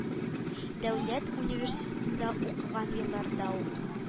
Дәүләт университетында укыган елларда ук